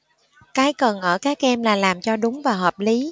cái cần ở các em là làm cho đúng và hợp lý